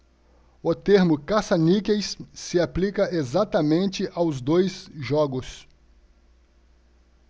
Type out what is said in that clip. o termo caça-níqueis se aplica exatamente aos dois jogos